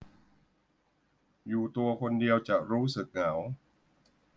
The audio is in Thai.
อยู่ตัวคนเดียวจะรู้สึกเหงา